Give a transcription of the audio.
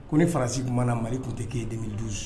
Ko ni farasigi mana mali tun tɛ k'e de duuru ye